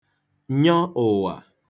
nyọ ụ̀wà